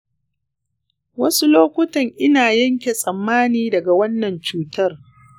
wasu lokuttan ina yanke tsammani daga wannan cutar.